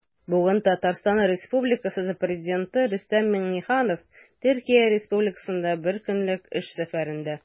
Бүген Татарстан Республикасы Президенты Рөстәм Миңнеханов Төркия Республикасында бер көнлек эш сәфәрендә.